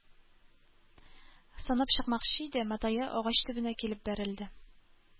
Санап чыкмакчы иде, матае агач төбенә килеп бәрелде.